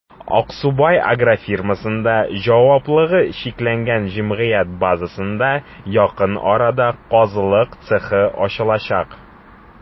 «аксубай» аф» җчҗ базасында якын арада казылык цехы ачылачак.